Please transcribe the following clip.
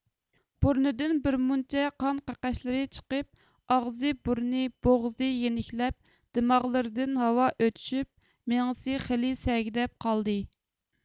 بۇرنىدىن بىرمۇنچە قان قەقەچلىرى چىقىپ ئاغزى بۇرنى بوغۇزى يېنىكلەپ دىماغلىرىدىن ھاۋا ئۆتۈشۈپ مېڭىسى خېلى سەگىدەپ قالدى